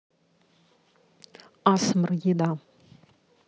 асмр еда